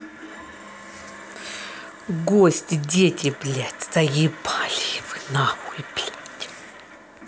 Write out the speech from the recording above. гость дети блять заебали вы нахуй блядь